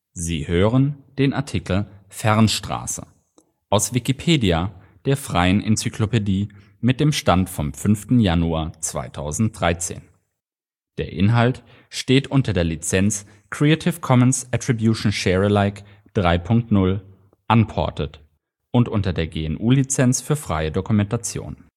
Sie hören den Artikel Fernstraße, aus Wikipedia, der freien Enzyklopädie. Mit dem Stand vom Der Inhalt steht unter der Lizenz Creative Commons Attribution Share Alike 3 Punkt 0 Unported und unter der GNU Lizenz für freie Dokumentation